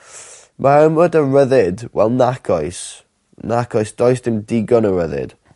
Ma' 'na ormod o ryddid. Wel nac oes nac oes does dim digon o ryddid.